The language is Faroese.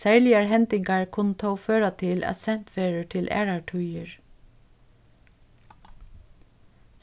serligar hendingar kunnu tó føra til at sent verður til aðrar tíðir